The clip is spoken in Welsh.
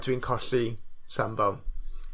Dwi'n colli sambal.